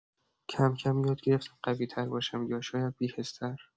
کم‌کم یاد گرفتم قوی‌تر باشم، یا شاید بی‌حس‌تر.